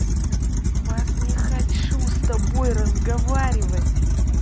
все не хочу с тобой разговаривать